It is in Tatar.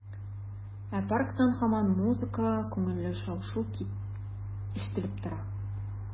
Ә парктан һаман музыка, күңелле шау-шу ишетелеп тора.